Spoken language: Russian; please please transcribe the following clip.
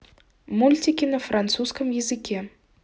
мультики на французском языке